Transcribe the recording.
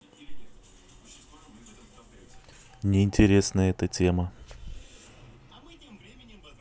не интересная эта тема